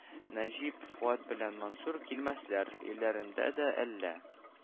Нәҗип, Фуат белән Мансур килмәсләр, өйләрендә дә әллә